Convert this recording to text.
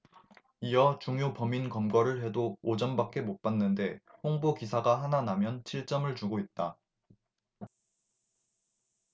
이어 중요 범인 검거를 해도 오 점밖에 못 받는데 홍보 기사가 하나 나면 칠 점을 주고 있다